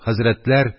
Хәзрәтләр,